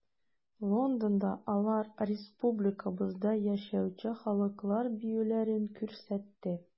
Лондонда алар республикабызда яшәүче халыклар биюләрен күрсәтте.